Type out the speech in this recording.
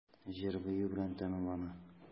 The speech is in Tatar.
Җыр-бию белән тәмамлана.